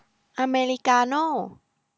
อเมริกาโน่